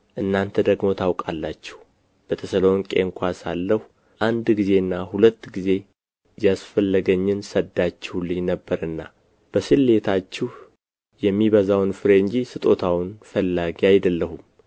እናንተ ደግሞ ታውቃላችሁ በተሰሎንቄ እንኳ ሳለሁ አንድ ጊዜና ሁለት ጊዜ ያስፈለገኝን ሰዳችሁልኝ ነበርና በስሌታችሁ የሚበዛውን ፍሬ እንጂ ስጦታውን ፈላጊ አይደለሁም